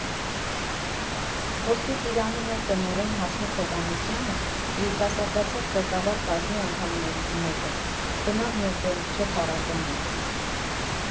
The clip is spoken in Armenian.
Ոսկե ծիրանի նոր տնօրեն Հասմիկ Հովհաննիսյանը՝ երիտասարդացած ղեկավար կազմի անդամներից մեկը, բնավ նոր դեմք չէ փառատոնում.